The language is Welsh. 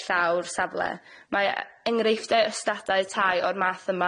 ar llaw'r safle mae e- enghreifftie ystadau tai o'r math yma i'w